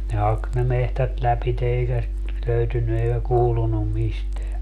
ne haki ne metsät lävitse eikä sitä löytynyt eikä kuulunut mistään